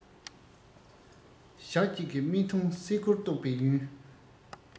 ཞག གཅིག གི རྨི ཐུང སེ གོལ གཏོག པའི ཡུན